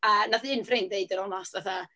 A wnaeth un ffrind ddeud yn onest fatha...